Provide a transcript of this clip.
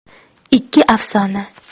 ikki afsona